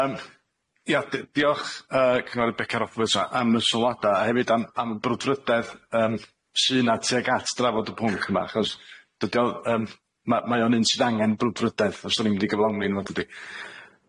Yym ia di- diolch yy cyngory- Beca Robyrts yma am y sylwada a hefyd am am y brwdfrydedd yym sy na tuag at drafod y pwnc yma achos, dydi o yym ma' mae o'n un sydd angen brwdfrydedd os 'dan ni'n mynd i gyflawni yno fo dydi?